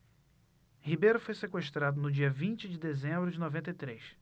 ribeiro foi sequestrado no dia vinte de dezembro de noventa e três